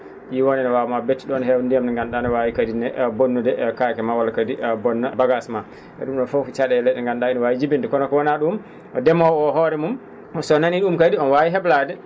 ?iwonde ne waawma bettu ?on hewde ndiyam nde nganndu?aa ne waawi kadi ne bonnude kake ma walla kadi bonna bagage ?um ?o fof ko ca?eele ?e nganndu?aa ene waawi jibinde kono ko wona ?um ndemowo o hoore mum so nanii ?um kadi omo waawi he?laade